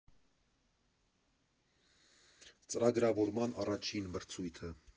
Ծրագրավորման առաջին մրցույթը.